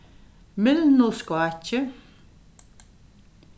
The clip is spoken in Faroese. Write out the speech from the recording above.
mylnuskákið